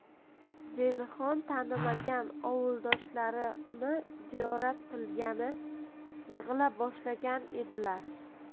zelixon tanimagan ovuldoshlari uni ziyorat qilgani yig'ila boshlagan edilar